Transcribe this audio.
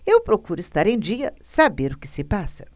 eu procuro estar em dia saber o que se passa